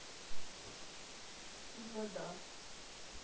и вода